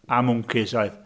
A mwncis, oedd.